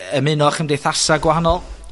ymuno a chymdeithasa' gwahanol?